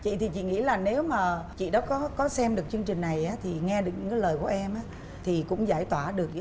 chị thì chị nghĩ là nếu mà chị đó có có xem được chương trình này á thì nghe được những cái lời của em á thì cũng giải tỏa được